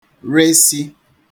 resi